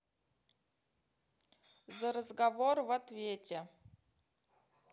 за разговор в ответе